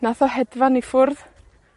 Nath o hedfan i ffwrdd